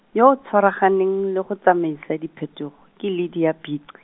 yo o tshwaraganeng le go tsamaisa diphetogo, ke Lydia Bici.